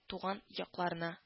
Туган якларына